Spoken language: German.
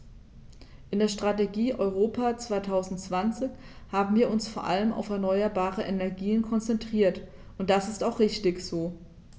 In der Strategie Europa 2020 haben wir uns vor allem auf erneuerbare Energien konzentriert, und das ist auch richtig so.